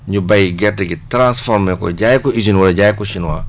ñu béy gerte gi transformer ko jaay ko usine wala jaay ko chinois